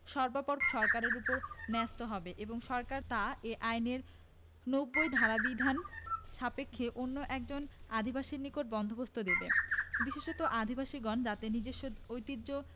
সর্বাপর সরকারের ওপর ন্যস্ত হবে এবং সরকার তা এ আইনের ৯০ ধারারবিধান সাপেক্ষে অন্য একজন আদিবাসীর নিকট বন্দোবস্ত দেবে বিশেষত আদিবাসীগণ যাতে নিজস্ব ঐতিহ্য